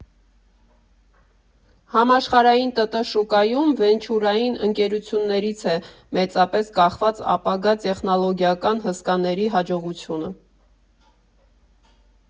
Համաշխարհային ՏՏ շուկայում վենչուրային ընկերություններից է մեծապես կախված ապագա տեխնոլոգիական հսկաների հաջողությունը։